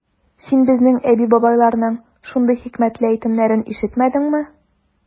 Син безнең әби-бабайларның шундый хикмәтле әйтемнәрен ишетмәдеңме?